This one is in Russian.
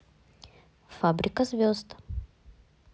фабрика звезд